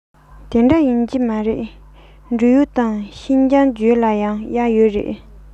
དེ འདྲ ཡིན གྱི མ རེད འབྲུག ཡུལ དང ཤིན ཅང རྒྱུད ལ ཡང གཡག ཡོད རེད